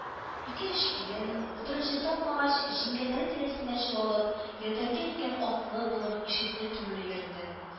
Ике-өч килен, утырыр җир тапмагач, җиңгәләре тирәсендә чуалып, ярдәм иткән атлы булып, ишекле-түрле йөренде